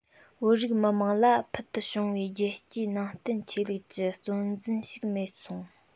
བོད རིགས མི དམངས ལ ཕུལ དུ བྱུང བའི རྒྱལ གཅེས ནང བསྟན ཆོས ལུགས ཀྱི གཙོ འཛིན ཞིག མེད སོང